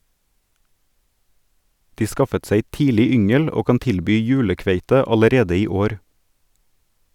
De skaffet seg tidlig yngel og kan tilby julekveite allerede i år.